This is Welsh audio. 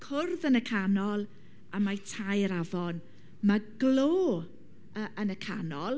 cwrdd yn y canol a mae tair afon. Ma' glo yy yn y canol.